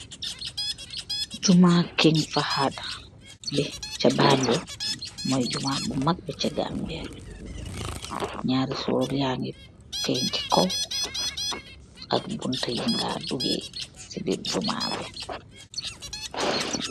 Jummah king fahad bi cha Banjul moi Jummah bo mak bi cha Gambia. nyari sorr yangi fenj chi kaw ak bunta yinga dogeh si birr jummah bi.